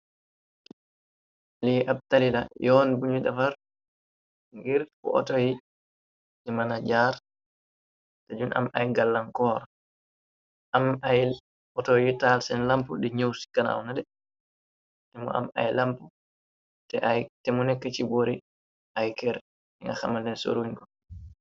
Lii ab tali la , yoon buñu dafar ngir bu autoyi di mëna jaar, te duñ am ay gallancoor. Am ay auto yu taal seen lamp, di ñëw ci kanaaw nale, te mu am ay lamp te ay, te mu nekk ci boori ay kër, nga xamante ne suron..